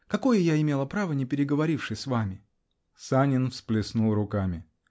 Какое я имела право, не переговоривши с вами? Санин всплеснул руками.